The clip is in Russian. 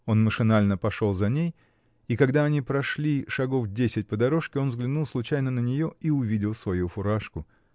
Он машинально пошел за ней, и когда они прошли шагов десять по дорожке, он взглянул случайно на нее и увидел свою фуражку.